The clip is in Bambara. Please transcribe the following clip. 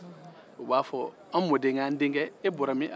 u b'a fɔ an denkɛ e bɔra min